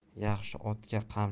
yaxshi otga qamchi